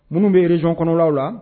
Minnu bɛ regions kɔnɔlaw la